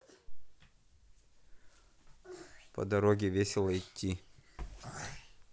по дороге весело идти